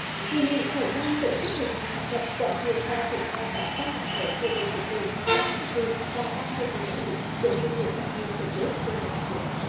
huyện ủy phú vang tổ chức hội nghị học tập quán triệt và triển khai các văn bản mới của bộ chính trị ban bí thư và ban thường vụ tỉnh ủy đến đội ngũ cán bộ chủ chốt trên địa bàn huyện